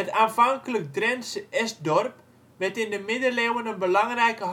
aanvankelijk Drentse esdorp, werd in de middeleeuwen een belangrijke